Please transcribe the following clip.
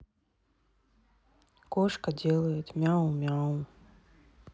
кошка делает мяу мяу